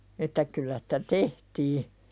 että kyllä sitä tehtiin